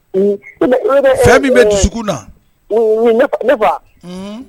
Fɛn min bɛ dusukun na, ne fa, unhun